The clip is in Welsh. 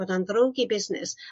bod o'n ddrwg i busnes